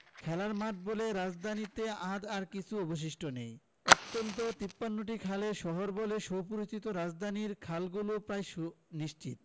খেলার মাঠ বলে রাজধানীতে আজ আর কিছু অবশিষ্ট নেই অন্তত ৫৩টি খালের শহর বলে সুপরিচিত রাজধানীর খালগুলোও প্রায় শু নিশ্চিত